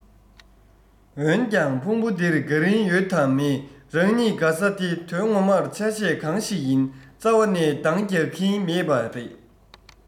འོན ཀྱང ཕུང པོ འདིར དགའ རིན ཡོད དམ མེད རང ཉིད དགའ ས དེ དོན ངོ མར ཆ ཤས གང ཞིག ཡིན རྩ བ ནས འདང རྒྱག གིན མེད པ རེད